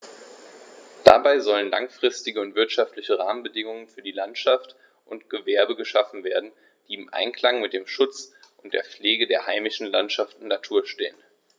Dabei sollen langfristige und wirtschaftliche Rahmenbedingungen für Landwirtschaft und Gewerbe geschaffen werden, die im Einklang mit dem Schutz und der Pflege der heimischen Landschaft und Natur stehen.